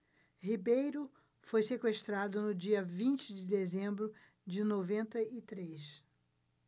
ribeiro foi sequestrado no dia vinte de dezembro de noventa e três